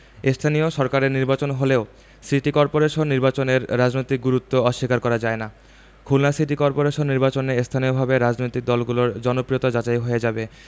স্থানীয় সরকারের নির্বাচন হলেও সিটি করপোরেশন নির্বাচনের রাজনৈতিক গুরুত্ব অস্বীকার করা যায় না খুলনা সিটি করপোরেশন নির্বাচনে স্থানীয়ভাবে রাজনৈতিক দলগুলোর জনপ্রিয়তা যাচাই হয়ে যাবে